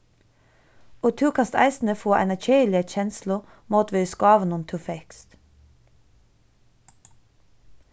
og tú kanst eisini fáa eina keðiliga kenslu mótvegis gávunum tú fekst